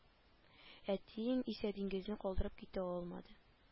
Әтиең исә диңгезне калдырып китә алмады